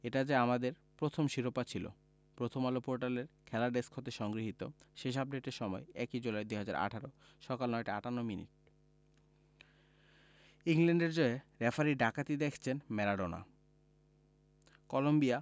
এটা যে আমাদের প্রথম শিরোপা ছিল প্রথমআলো পোর্টালের খেলা ডেস্ক হতে সংগৃহীতশেষ আপডেটের সময় ১ জুলাই ২০১৮ সকাল ৯টা ৫৮মিনিট ইংল্যান্ডের জয়ে রেফারির ডাকাতি দেখছেন ম্যারাডোনা কলম্বিয়া